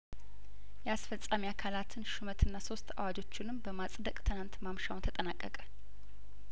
የአስፈጻሚ አካላትን ሹመትና ሶስት አዋጆችንም በማጽደቅ ትናንት ማምሻውን ተጠናቀቀ